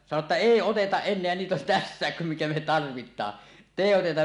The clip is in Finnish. sanoi että ei oteta enää niitä on tässäkin kun mikä me tarvitaan että ei oteta